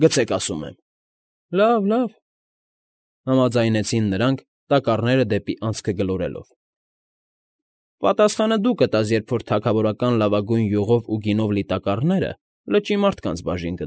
Գցե՛ք, ասում եմ։ ֊ Լավ, լավ,֊ համաձայնեցին նրանք՝ տակառները դեպի անցքը գլորելով։֊ Պատասխանը դու կտաս, երբ որ թագավորական լավագույն յուղով ու գինով լի տակառները լճի մարդկանց բաժին։